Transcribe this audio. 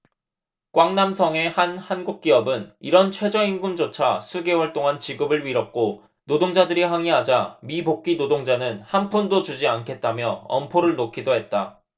꽝남성의 한 한국기업은 이런 최저임금조차 수개월 동안 지급을 미뤘고 노동자들이 항의하자 미복귀 노동자는 한 푼도 주지 않겠다며 엄포를 놓기도 했다